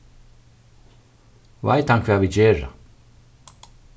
veit hann hvat vit gera